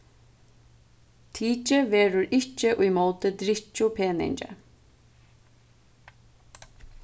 tikið verður ikki ímóti drykkjupeningi